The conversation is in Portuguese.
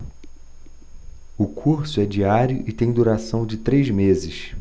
o curso é diário e tem duração de três meses